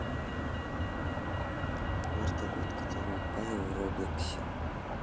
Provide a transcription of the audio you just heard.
вертолет который упал в роблоксе